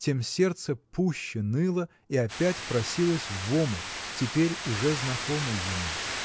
тем сердце пуще ныло и опять просилось в омут теперь уже знакомый ему.